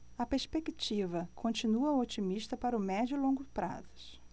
a perspectiva continua otimista para o médio e longo prazos